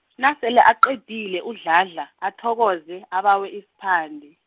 nasele aqedile uDladla athokoze abawe isiphande.